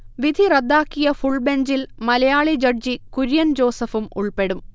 വിധി റദ്ദാക്കിയ ഫുൾബെഞ്ചിൽ മലയാളി ജഡ്ജി കുര്യൻ ജോസഫും ഉൾപ്പെടും